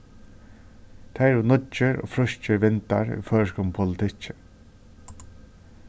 tað eru nýggir og frískir vindar í føroyskum politikki